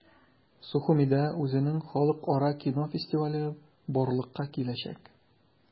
Сухумида үзенең халыкара кино фестивале барлыкка киләчәк.